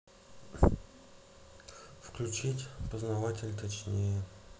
включить познаватель точнее